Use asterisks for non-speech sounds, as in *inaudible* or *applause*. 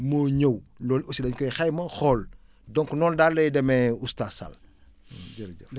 moo ñëw loolu aussi dañ koy xayma xool donc noonu daal lay demee oustaz Sall *breath* jërëjëf